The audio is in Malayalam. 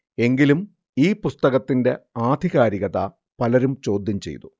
എങ്കിലും ഈ പുസ്തകത്തിന്റെ ആധികാരികത പലരും ചോദ്യം ചെയ്തു